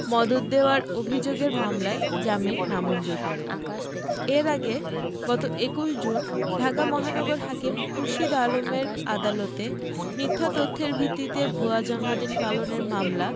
যুদ্ধাপরাধীদের মদদ দেওয়ার অভিযোগের মামলায় জামিন নামঞ্জুর করেন এর আগে গত ২১ জুন ঢাকা মহানগর হাকিম খুরশীদ আলমের আদালতে মিথ্যা তথ্যের ভিত্তিতে ভুয়া জন্মদিন পালনের মামলা